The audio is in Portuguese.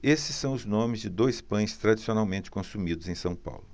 esses são os nomes de dois pães tradicionalmente consumidos em são paulo